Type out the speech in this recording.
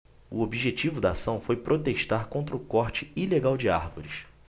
o objetivo da ação foi protestar contra o corte ilegal de árvores